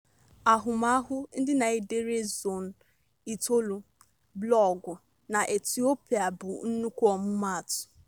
Ahụmahụ ndị na-edere Zone9 blọọgụ na Ethiopia bụ nnukwu ọmụmaatụ.